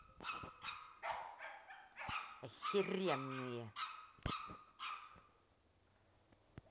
охеренные